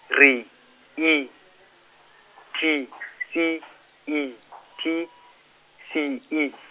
R I T S I T S E.